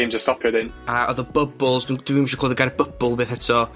a odd e jyst bo' dim di stopio 'dyn. A odd y bubbles dw- dwi'n isio clywed y gair bubble byth eto